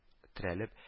Терәлеп